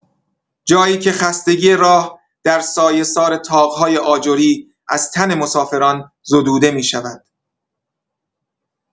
جایی که خستگی راه در سایه‌سار طاق‌های آجری از تن مسافران زدوده می‌شود.